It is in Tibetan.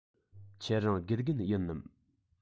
ཁྱེད རང དགེ རྒན ཡིན ནམ